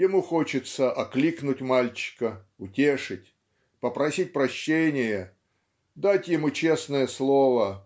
Ему хочется окликнуть мальчика утешить попросить прощения дать ему честное слово